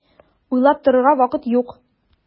Уйлап торырга вакыт юк!